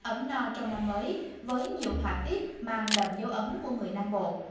ấm no trong năm mới với nhiều họa tiết mang đậm dấu ấn của người nam bộ